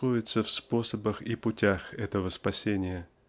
сходятся в способах и путях этого спасения.